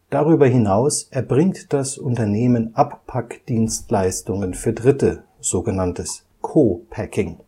Darüber hinaus erbringt das Unternehmen Abpack-Dienstleistungen für Dritte (Co-Packing